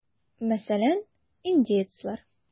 Мәсәлән, индеецлар.